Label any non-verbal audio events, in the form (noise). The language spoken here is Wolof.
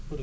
(hesitation) (hesitation)